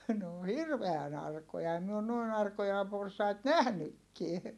ne on hirveän arkoja en minä ole noin arkoja porsaita nähnytkään